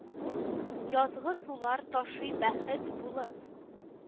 Язгы сулар ташый бәхет булып